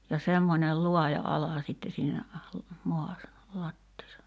ja semmoinen laaja ala sitten siinä maassa lattiassa